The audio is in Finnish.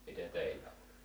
miten teillä oli